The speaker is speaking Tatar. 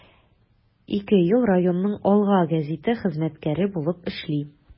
Ике ел районның “Алга” гәзите хезмәткәре булып эшли.